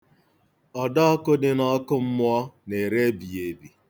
Ọdọọkụ dị n'ọkụ mmụọ na-ere ebighiebi.